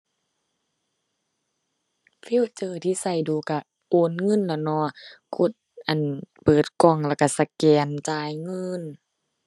ฟีเจอร์ที่ใช้ดู๋ใช้โอนเงินแหล้วเนาะ กด อั่น เปิดกล้องแล้วใช้สแกนจ่ายเงิน